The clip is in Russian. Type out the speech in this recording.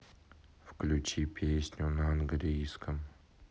включи песню на английском